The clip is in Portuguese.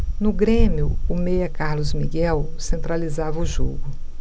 no grêmio o meia carlos miguel centralizava o jogo